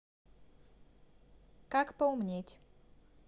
как поумнеть